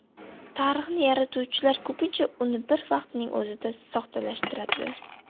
tarixni yaratuvchilar ko'pincha uni bir vaqtning o'zida soxtalashtiradilar